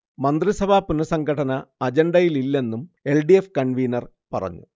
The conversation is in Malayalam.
മന്ത്രിസഭ പുനഃസംഘടന അജണ്ടയിലില്ലെന്നും എൽ. ഡി. എഫ്. കൺവീനർ പറഞ്ഞു